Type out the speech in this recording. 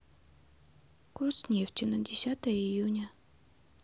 курс нефти на десятое июня